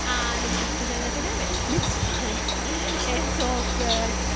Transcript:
A wnaethon ni cyfweliadau newydd. And it's fine. It's all good.